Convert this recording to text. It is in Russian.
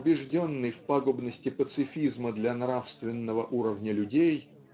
убежденный в пагубности пацифизма для нравственного уровня людей